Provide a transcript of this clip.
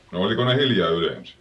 no oliko ne hiljaa yleensä